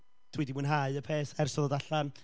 dwi 'di mwynhau y peth ers iddo dod allan.